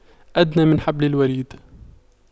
أدنى من حبل الوريد